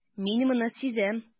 Мин моны сизәм.